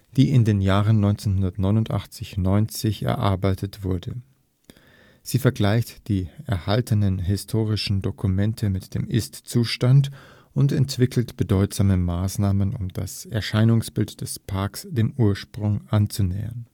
die in den Jahren 1989 / 1990 erarbeitet wurde. Sie vergleicht die erhaltenen historischen Dokumente mit dem Ist-Zustand und entwickelt behutsame Maßnahmen, um das Erscheinungsbild des Parks dem Ursprung anzunähern